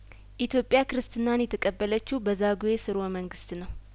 ኢትዮጵያ ክርስትናን የተቀበለችው በዛጔ ስርወ መንግስት ነው